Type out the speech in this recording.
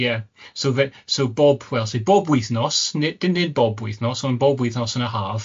Ie so fe- so bob wel so bob wythnos ne- dim nid bob wythnos ond bob wythnos yn y haf